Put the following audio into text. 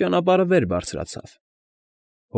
Ճանապարհը վեր բարձրացավ.